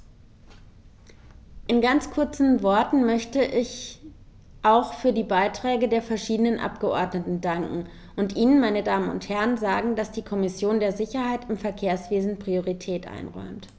In ganz kurzen Worten möchte ich auch für die Beiträge der verschiedenen Abgeordneten danken und Ihnen, meine Damen und Herren, sagen, dass die Kommission der Sicherheit im Verkehrswesen Priorität einräumt.